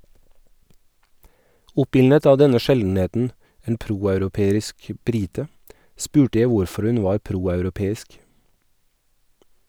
Oppildnet av denne sjeldenheten - en proeuropeisk brite - spurte jeg hvorfor hun var proeuropeisk.